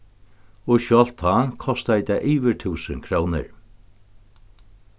og sjálvt tá kostaði tað yvir túsund krónur